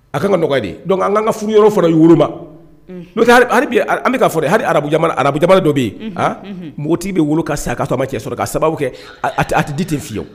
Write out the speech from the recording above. A kan ka nɔgɔya de donc an ka an ka furuyɔrɔ fana woloma. Unhun. N'o tɛ hali bi an bɛ k'a fɔ dɛ, hali arabu jamana dɔw bɛ yen. Unhun unhun. Npogotigi bɛ wolo ka sa k'a sɔrɔ a ma cɛ sɔrɔ, k'a sababu kɛ a tɛ di ten fewu